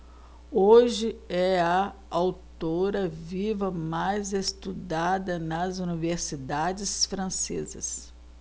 hoje é a autora viva mais estudada nas universidades francesas